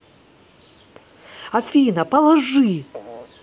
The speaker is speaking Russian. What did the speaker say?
афина положи